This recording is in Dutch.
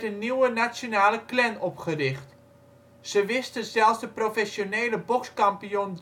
nieuwe nationale Klan opgericht. Ze wisten zelfs de professionele bokskampioen